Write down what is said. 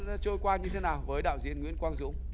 nó trôi qua như thế nào với đạo diễn nguyễn quang dũng